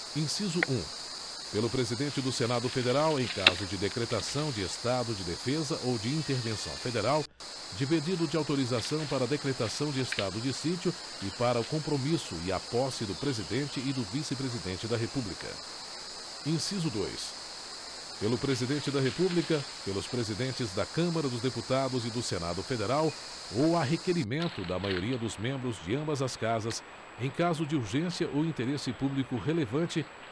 inciso um pelo presidente do senado federal em caso de decretação de estado de defesa ou de intervenção federal de pedido de autorização para a decretação de estado de sítio e para o compromisso e a posse do presidente e do vice presidente da república inciso dois pelo presidente da república pelos presidentes da câmara dos deputados e do senado federal ou a requerimento da maioria dos membros de ambas as casas em caso de urgência ou interesse público relevante